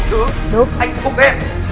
thứ anh phục em